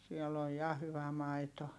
siellä on ja hyvä maito